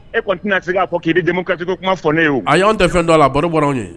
E ko tɛna ko k'i bɛ denmusomu ka kuma fɔ ne ye a y' tɛ fɛn d la a baro bɔra anw ye